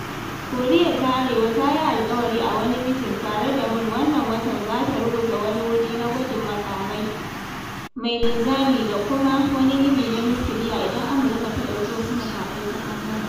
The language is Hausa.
Koriya ta Arewa ta yi alkawari a wani mitin tare da Moon wannan watan za ta ruguza wani wuri na gwajin makami mai linzami da kuma wani gini na nukiliya idan Amurka ta ɗauki “wasu matakai ta ɓangaren.”